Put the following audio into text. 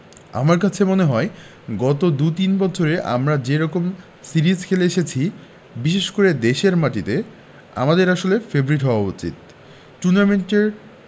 আমার কাছে মনে হয় গত দু তিন বছরে আমরা যে রকম সিরিজ খেলে এসেছি বিশেষ করে দেশের মাটিতে আমাদের আসলে ফেবারিট হওয়া উচিত টুর্নামেন্ট